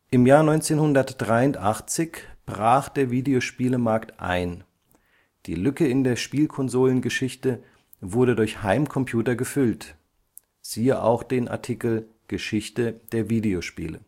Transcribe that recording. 1983 brach der Videospiele-Markt ein, die Lücke in der Spielkonsolen-Geschichte wurde durch Heimcomputer gefüllt; siehe Geschichte der Videospiele